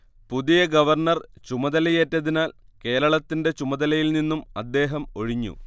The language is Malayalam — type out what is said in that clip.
പുതിയ ഗവർണ്ണർ ചുമതലയേറ്റതിനാൽ കേരളത്തിന്റെ ചുമതലയിൽനിന്നും അദ്ദേഹം ഒഴിഞ്ഞു